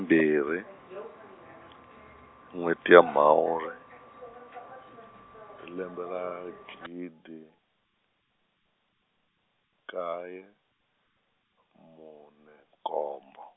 mbirhi, n'wheti ya Mhawuri, hi lembe ra gidi, nkaye, mune, nkombo.